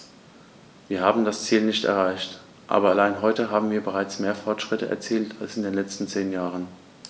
Wir haben das Ziel nicht erreicht, aber allein heute haben wir bereits mehr Fortschritte erzielt als in den letzten zehn Jahren.